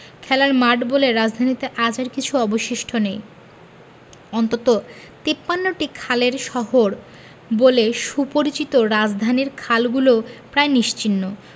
খেলার মাঠ বলে রাজধানীতে আজ আর কিছু অবশিষ্ট নেই অন্তত ৫৩টি খালের শহর বলে সুপরিচিত রাজধানীর খালগুলোও প্রায় নিশ্চিহ্ন